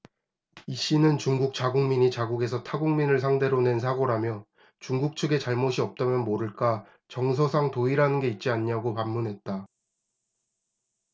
이씨는 중국 자국민이 자국에서 타국민을 상대로 낸 사고라며 중국 측의 잘못이 없다면 모를까 정서상 도의라는 게 있지 않냐고 반문했다